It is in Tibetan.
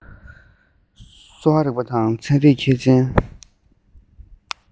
གསོ བ རིག པ དང ཚན རིག མཁས ཅན